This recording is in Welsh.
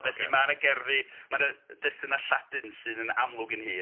Ocê... felly ma' 'na gerddi. Ma' 'na destunau Lladin sydd yn amlwg yn hŷn.